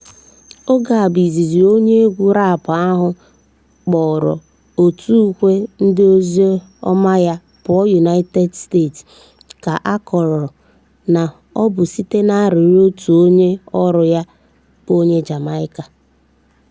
Oge a bụ izizi onye egwu raapụ ahụ kpọpụrụ òtùukwe nke oziọma ya pụọ United States, ka a kọrọ na ọ bụ site n'arịrịọ otu onye ọrụ ya bụ onye Jamaica.